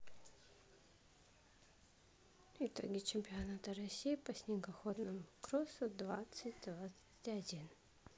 итоги чемпионата россии по снегоходному кроссу двадцать двадцать один